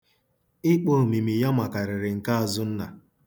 Ịkpọ omimi ya makarịrị nke Azụnna.